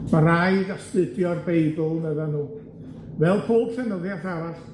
Ma' raid astudio'r Beibl meddan nw, fel pob llenyddiaeth arall